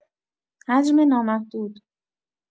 حجم نامحدود